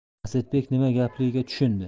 asadbek nima gapligiga tushundi